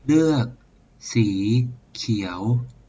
เลือกสีเขียว